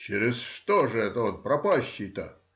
— Через что же это он пропащий-то?